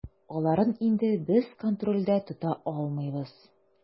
Аларын инде без контрольдә тота алмыйбыз.